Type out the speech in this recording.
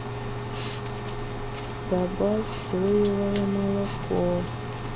добавь соевое молоко